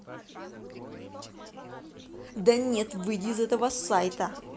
да нет выйди из этого сайта